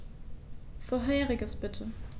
Vorheriges bitte.